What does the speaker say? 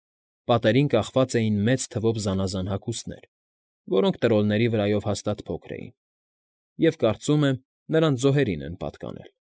Պատերին կախված էին մեծ թվով զանազան հագուստներ, որոնք տրոլների վրայով հաստատ փոքր էին, և կարծում եմ, նրանց զոհերին են պատկանել։